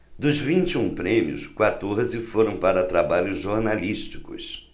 dos vinte e um prêmios quatorze foram para trabalhos jornalísticos